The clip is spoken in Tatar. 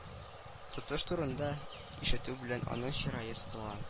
Тотыш турында ишетү белән аның чырае сытыла